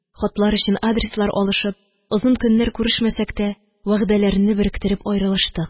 Хатлар өчен адреслар алышып, озын көннәр күрешмәсәк тә, вәгъдәләрне беректереп аерылыштык.